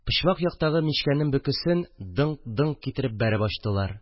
Почмак яктагы мичкәнең бөкесен дың-дың китереп бәреп ачтылар